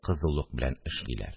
Кызулык белән эшлиләр